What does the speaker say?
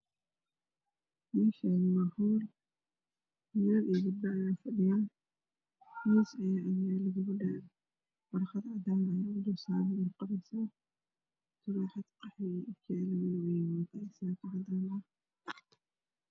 Meeshaani waa hool wilal iyo gabdho ayaa fadhiyaan warqado cadaan ayaa dul saaran qoraysaa turaxad qaxwi ayey wadataa xijab cadaan